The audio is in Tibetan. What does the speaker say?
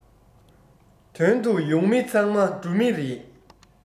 དོན དུ ཡོང མི ཚང མ འགྲོ མི རེད